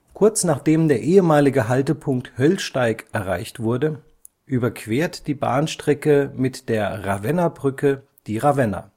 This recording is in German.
Kurz nachdem der ehemalige Haltepunkt Höllsteig erreicht wurde, überquert die Bahnstrecke mit der Ravennabrücke die Ravenna